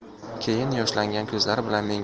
keyin yoshlangan ko'zlari